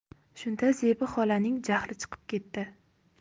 shunda zebi xolaning jahli chiqib ketdi